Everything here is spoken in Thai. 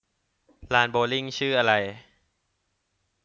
ลานโบว์ลิ่งชื่ออะไร